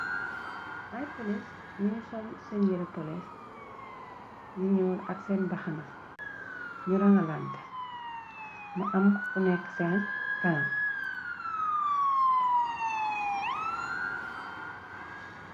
Hipolis ñi ngi sol seen yeropolis yi ñuor ak seen baxana ñu ranga lante mu am ku nekk seen kanam.